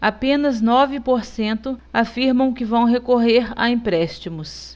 apenas nove por cento afirmam que vão recorrer a empréstimos